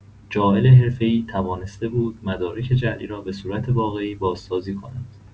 جاعل حرفه‌ای توانسته بود مدارک جعلی را به‌صورت واقعی بازسازی کند.